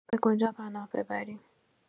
به کجا پناه ببریم؟